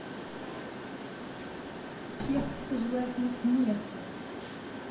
тех кто желает мне смерти